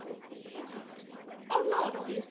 O pwy yw cwpl ti? Lon. Oh Lon, obviously.